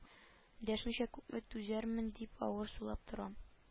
Дәшмичә күпме түзәрмен дип авыр сулап торам